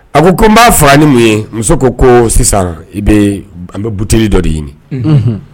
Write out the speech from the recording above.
A ko ko n b'a faga ni mun ye muso ko ko sisan i bɛ an bɛ bouteille dɔ de ɲini.